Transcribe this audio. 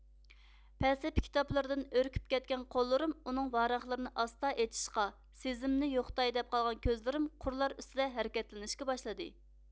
پەلسەپە كىتابلىرىدىن ئۈركۈپ كەتكەن قوللىرىم ئۇنىڭ ۋاراقلىرىنى ئاستا ئېچىشقا سېزىمىنى يوقىتاي دەپ قالغان كۆزلىرىم قۇرلار ئۈستىدە ھەرىكەتلىنىشكە باشلىدى